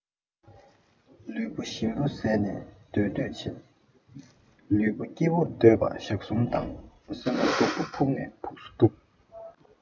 ལུས པོ ཞིམ པོ བཟས ནས སྡོད འདོད ཆ ལུས པོ སྐྱིད པོར སྡོད པ ཞག གསུམ དང སེམས པ སྡུག པ ཕུགས ནས ཕུགས སུ སྡུག